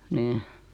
niin